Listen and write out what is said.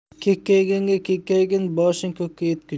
kekkayganga kekkaygin boshing ko'kka yetguncha